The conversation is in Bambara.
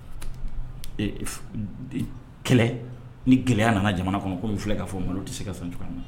Kɛlɛ ni gɛlɛya nana jamana kɔnɔ ko filɛ k ka fɔ o ma o tɛ se ka sɔn cogoya ma